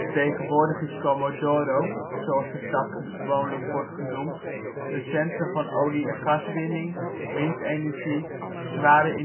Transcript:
Tegenwoordig is Comodoro, zoals de stad gewoonweg genoemd wordt, een centrum van olie - en gaswining, windenergie, zware